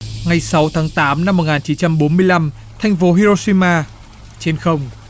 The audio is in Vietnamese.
ngày sáu tháng tám năm một ngàn chín trăm bốn mươi lăm thành phố hi rô si ma trên không